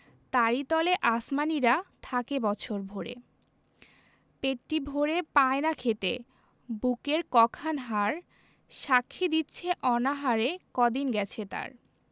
তারি তলে আসমানীরা থাকে বছর ভরে পেটটি ভরে পায় না খেতে বুকের ক খান হাড় সাক্ষী দিছে অনাহারে কদিন গেছে তার